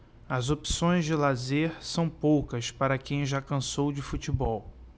as opções de lazer são poucas para quem já cansou de futebol